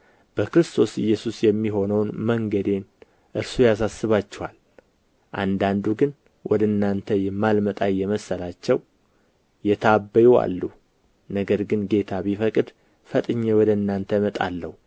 በክርስቶስ ኢየሱስ የሚሆነውን መንገዴን እርሱ ያሳስባችኋል አንዳንዱ ግን ወደ እናንተ የማልመጣ እየመሰላቸው የታበዩ አሉ ነገር ግን ጌታ ቢፈቅድ ፈጥኜ ወደ እናንተ እመጣለሁ